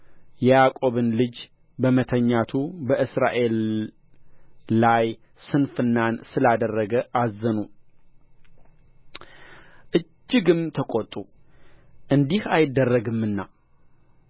የያዕቆብን ልጅ በመተኛቱ በእስራኤል ላይ ስንፍናን ስላደረገ አዘኑ እጅግም ተቈጡ እንዲህ አይደረግምና